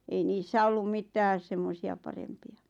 ei niissä ollut mitään semmoisia parempia